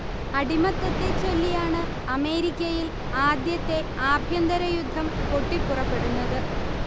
അടിമത്തത്തെച്ചൊല്ലിയാണ് അമേരിക്കയിൽ ആദ്യത്തെ ആഭ്യന്തര യുദ്ധം പൊട്ടിപ്പുറപ്പെടുന്നത്